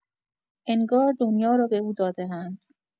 انگار دنیا را به او داده‌اند